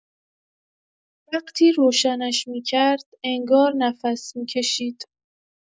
وقتی روشنش می‌کرد، انگار نفس می‌کشید.